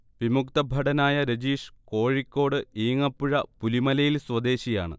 വിമുക്ത ഭടനായ രജീഷ് കോഴിക്കോട് ഈങ്ങപ്പുഴ പുലിമലയിൽ സ്വദേശിയാണ്